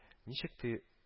Ничек ты